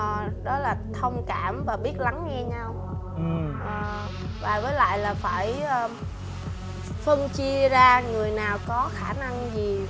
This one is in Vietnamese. à đó là thông cảm và biết lắng nghe nhau à và với lại là phải ơ phân chia ra người nào có khả năng gì